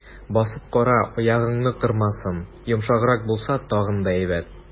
Басып кара, аягыңны кырмасын, йомшаграк булса, тагын да әйбәт.